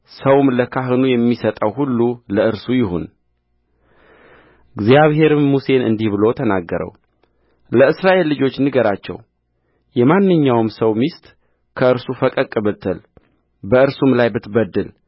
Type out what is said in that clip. ሰውም ለካህኑ የሚሰጠው ሁሉ ለእርሱ ይሁንእግዚአብሔርም ሙሴን እንዲህ ብሎ ተናገረውለእስራኤል ልጆች ንገራቸው የማንኛውም ሰው ሚስት ከእርሱ ፈቀቅ ብትል በእርሱም ላይ ብትበድል